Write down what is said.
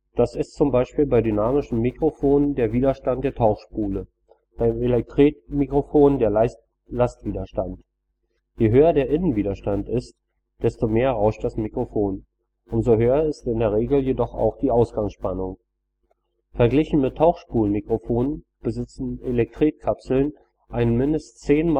Das ist zum Beispiel bei dynamischen Mikrofonen der Widerstand der Tauchspule, beim Elektretmikrofon der Lastwiderstand. Je höher der Innenwiderstand ist, desto mehr rauscht das Mikrofon, umso höher ist in der Regel jedoch auch die Ausgangsspannung. Verglichen mit Tauchspulmikrofonen besitzen Elektretkapseln einen mindestens zehn